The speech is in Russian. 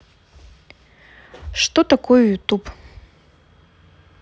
что такое youtube